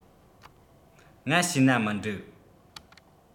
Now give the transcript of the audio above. ང བྱས ན མི འགྲིག